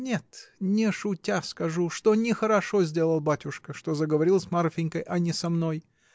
— Нет: не шутя скажу, что нехорошо сделал, батюшка, что заговорил с Марфинькой, а не со мной.